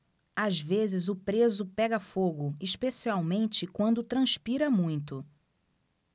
às vezes o preso pega fogo especialmente quando transpira muito